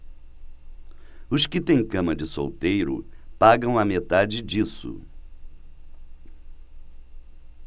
os que têm cama de solteiro pagam a metade disso